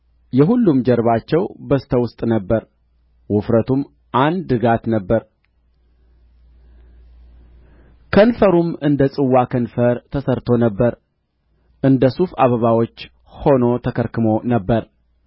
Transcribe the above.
የሁሉም ጀርባቸው በስተ ውስጥ ነበረ ውፍረቱም አንድ ጋት ነበረ ከንፈሩም እንደ ጽዋ ከንፈር ተሠርቶ ነበር እንደ ሱፍ አበባዎች ሆኖ ተከርክሞ ነበር